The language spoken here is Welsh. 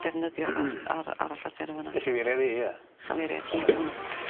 defnyddio ar ar ar y llythyr yn fan 'na. Ei chyfeiriad 'i ia? Chyfeiriad hi 'di hwnna.